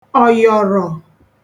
ọ̀yọ̀rọ̀